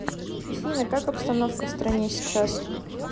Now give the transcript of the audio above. афина как обстановка в стране сейчас